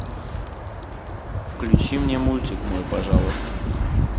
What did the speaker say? включи мне мультик мой пожалуйста